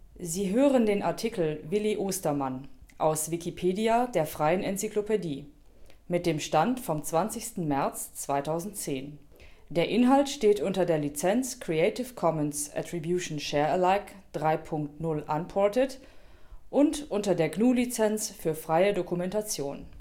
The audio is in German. Sie hören den Artikel Willi Ostermann, aus Wikipedia, der freien Enzyklopädie. Mit dem Stand vom Der Inhalt steht unter der Lizenz Creative Commons Attribution Share Alike 3 Punkt 0 Unported und unter der GNU Lizenz für freie Dokumentation